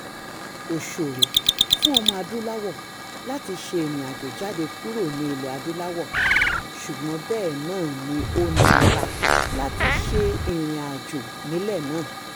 Ó ṣòro fún ọmọ-adúláwọ̀ láti ṣe ìrìnàjò jáde kúrò ní Ilẹ̀-adúláwọ̀ — ṣùgbọ́n bẹ́ẹ̀ náà ni ó nira láti ṣe ìrìnàjò nílẹ̀ náà.